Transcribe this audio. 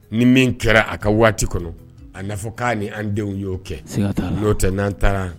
Ni min kɛra a ka waati kɔnɔ a na fɔ k'a ni an denw y'o kɛ, siga t'a la, n'o tɛ n'an taara